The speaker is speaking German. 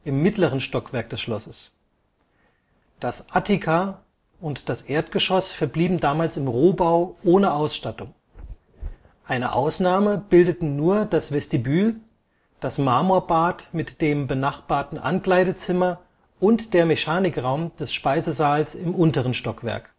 mittleren Stockwerk des Schlosses. Das Attika - und das Erdgeschoss verblieben damals im Rohbau ohne Ausstattung. Eine Ausnahme bildeten nur das Vestibül, das Marmorbad mit dem benachbarten Ankleidezimmer und der Mechanikraum des Speisesaals im unteren Stockwerk